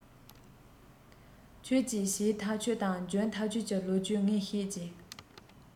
ཁྱོད ཀྱིས བྱས ཐག ཆོད དང འཇོན ཐག ཆོད ཀྱི ལོ རྒྱུས ངས བཤད ཀྱིས